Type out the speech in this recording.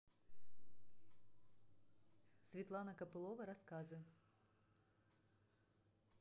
светлана копылова рассказы